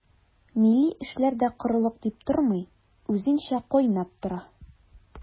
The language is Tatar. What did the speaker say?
Милли эшләр дә корылык дип тормый, үзенчә кайнап тора.